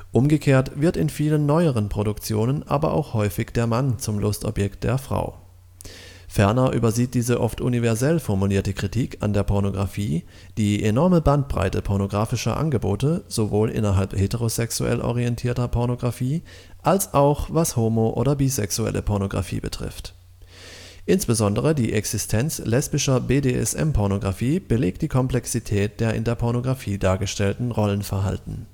Umgekehrt wird in vielen neueren Produktionen aber auch häufig der Mann zum Lustobjekt der Frau. Ferner übersieht diese oft universell formulierte Kritik an der Pornografie die enorme Bandbreite pornografischer Angebote, sowohl innerhalb heterosexuell orientierter Pornografie als auch was homo - oder bisexuelle Pornografie betrifft. Insbesondere die Existenz lesbischer BDSM-Pornografie belegt die Komplexität der in der Pornografie dargestellten Rollenverhalten